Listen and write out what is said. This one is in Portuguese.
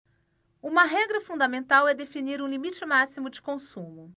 uma regra fundamental é definir um limite máximo de consumo